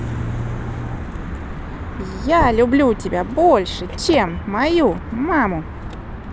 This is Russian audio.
я люблю тебя больше чем мою маму